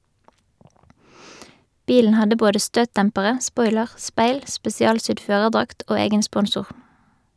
Bilen hadde både støtdempere, spoiler, speil, spesialsydd førerdrakt og egen sponsor.